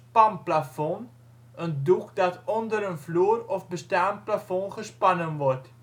spanplafond, een doek dat onder een vloer of bestaand plafond gespannen wordt